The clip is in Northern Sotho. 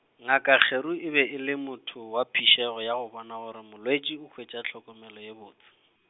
ngaka Kgeru e be e le motho wa phišego ya go bona gore molwetši o hwetša tlhokomelo ye botse.